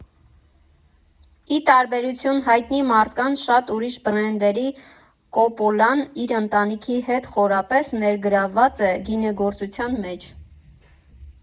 Ի տարբերություն հայտնի մարդկանց շատ ուրիշ բրենդերի՝ Կոպպոլան իր ընտանիքի հետ խորապես ներգրավված է գինեգործության մեջ։